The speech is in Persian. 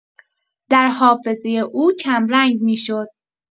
در حافظه او کم‌رنگ می‌شد.